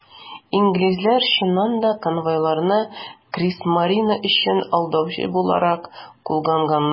Инглизләр, чыннан да, конвойларны Кригсмарине өчен алдавыч буларак кулланганнар.